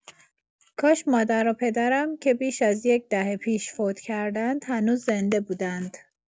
کاش مادر و پدرم، که بیش ازیک دهه پیش فوت کردند، هنوز زنده بودند.